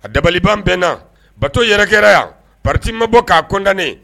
A dabaliban bɛnna Faso yɛrɛ kɛra yan partis ma bɔ k'a condamner